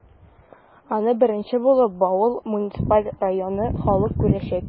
Аны беренче булып, Баулы муниципаль районы халкы күрәчәк.